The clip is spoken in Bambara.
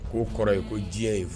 Ko kɔrɔ ye ko diɲɛ ye